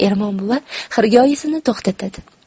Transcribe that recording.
ermon buva xirgoyisini to'xtatadi